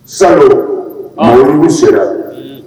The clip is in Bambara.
Sanko mawlidu sera